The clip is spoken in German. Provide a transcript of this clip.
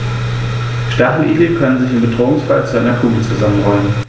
Stacheligel können sich im Bedrohungsfall zu einer Kugel zusammenrollen.